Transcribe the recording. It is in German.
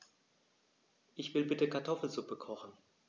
Ich will bitte Kartoffelsuppe kochen.